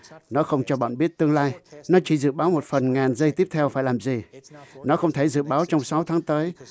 nó không cho bạn biết tương lai nó chỉ dự báo một phần ngàn giây tiếp theo phải làm gì nó không thể dự báo trong sáu tháng tới